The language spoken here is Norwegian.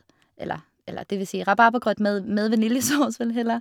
eller Eller, det vil si rabarbragrøt med med vaniljesaus, vel, heller.